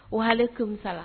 O hali tesala